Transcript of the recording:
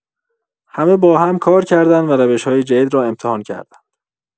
همه با هم کار کردند و روش‌های جدید را امتحان کردند.